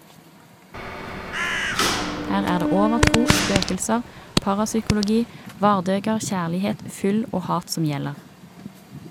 Her er det overtro, spøkelser, parapsykologi, vardøger, kjærlighet, fyll og hat som gjelder.